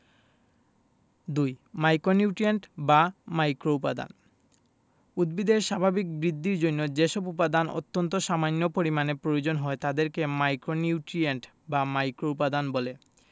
২ micronutrient বা মাইক্রোউপাদান উদ্ভিদের স্বাভাবিক বৃদ্ধির জন্য যেসব উপাদান অত্যন্ত সামান্য পরিমাণে প্রয়োজন হয় তাদেরকে মাইক্রোনিউট্রিয়েন্ট বা মাইক্রোউপাদান বলে